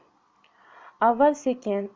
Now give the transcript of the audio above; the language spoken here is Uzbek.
avval sekinroq